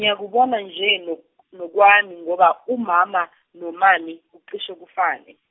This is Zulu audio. ngiyakubona nje nok- nokwami ngoba umama nomummy kucishe kufane.